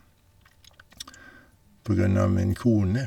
På grunn av min kone.